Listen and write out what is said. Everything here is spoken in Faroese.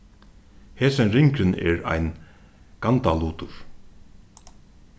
hesin ringurin er ein gandalutur